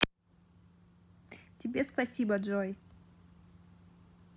тебе спасибо джой